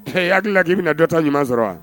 Ee' hakili k'i bɛna dɔ ta ɲuman sɔrɔ wa